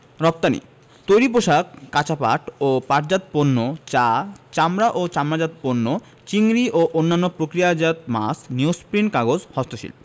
রপ্তানিঃ তৈরি পোশাক কাঁচা পাট ও পাটজাত পণ্য চা চামড়া ও চামড়াজাত পণ্য চিংড়ি ও অন্যান্য প্রক্রিয়াজাত মাছ নিউজপ্রিন্ট কাগজ হস্তশিল্প